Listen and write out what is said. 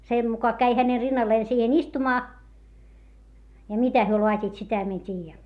se muka kävi hänen rinnalleen siihen istumaan ja mitä he laativat sitä minä en tiedä